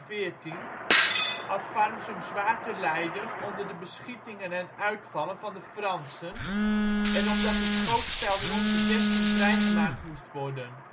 1813-1814) had Farmsum zwaar te lijden onder de beschietingen en uitvallen van de Fransen en omdat het schootsveld rond de vesting vrijgemaakt moest worden